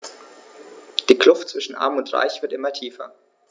Die Kluft zwischen Arm und Reich wird immer tiefer.